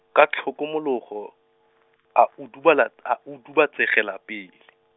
ka tlhokomologo, a udubala-, a udubatsegela pele.